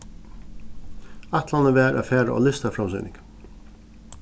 ætlanin var at fara á listaframsýning